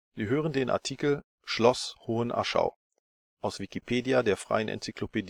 hören den Artikel Schloss Hohenaschau, aus Wikipedia, der freien Enzyklopädie